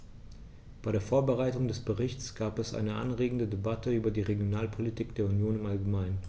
Bei der Vorbereitung des Berichts gab es eine anregende Debatte über die Regionalpolitik der Union im allgemeinen.